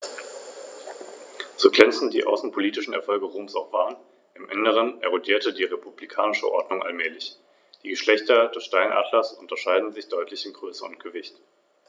Der Sieg über Karthago im 1. und 2. Punischen Krieg sicherte Roms Vormachtstellung im westlichen Mittelmeer.